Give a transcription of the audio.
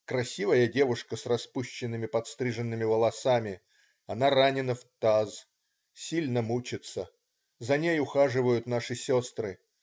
Красивая девушка с распущенными, подстриженными волосами. Она ранена в таз. Сильно мучается. За ней ухаживают наши сестры.